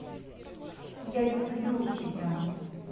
я люблю тебя